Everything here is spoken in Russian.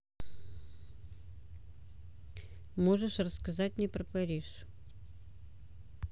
можешь рассказать мне про париж